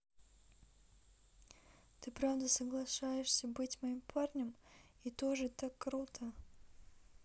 ты правда соглашаешься быть моим парнем и то же так круто